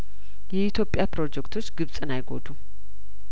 የኢትዮጵያ ፕሮጀክቶች ግብጽን አይጐዱም